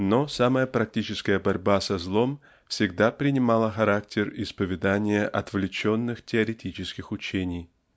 но самая практическая борьба со злом всегда принимала характер исповедания отвлеченных теоретических учений.